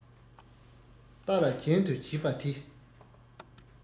རྟ ལ རྒྱན དུ བྱས པ དེ